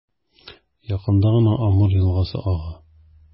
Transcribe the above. Якында гына Амур елгасы ага.